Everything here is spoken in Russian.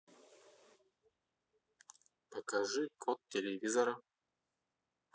выйти с главного экрана